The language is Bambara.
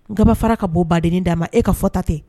N kababa farara ka bɔ baden d' ma e ka fɔta ten